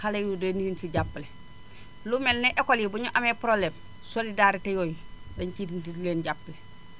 xale yooyu dañu leen siy jàppale lu mel ne école yi bu ñu amee problème solidarité yooyu dañ ciy dindi di leen jàppale